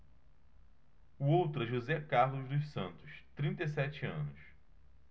o outro é josé carlos dos santos trinta e sete anos